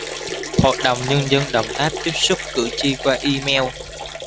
hội đồng nhân dân đồng tháp tiếp xúc cử tri qua email